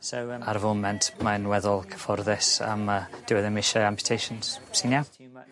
Ar foment mae'n weddol cyfforddus a ma' dyw e ddim isie amputations. Sy'n iawn.